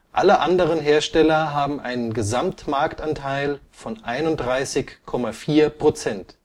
Alle anderen Hersteller haben einen Gesamtmarktanteil von 31,4 %